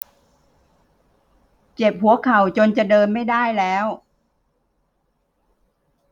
เจ็บหัวเข่าจนจะเดินไม่ได้แล้ว